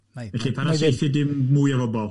Felly, paid a saethu dim mwy o bobol.